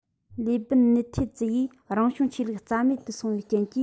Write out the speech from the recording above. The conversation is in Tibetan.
ལེ སྦི ནི ཐེ ཛི ཡིས རང བྱུང ཆོས ལུགས རྩ མེད དུ སོང བའི རྐྱེན ལས